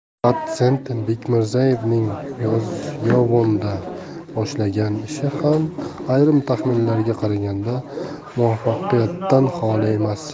dotsent bekmirzaevning yozyovonda boshlagan ishi ham ayrim taxminlarga qaraganda muvaffaqiyatdan xoli emas